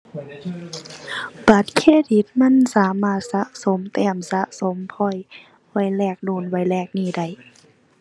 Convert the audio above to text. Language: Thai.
บัตรเครดิตมันสามารถสะสมแต้ม สะสมพอยต์ไว้แลกนู่นไว้แลกนี่ได้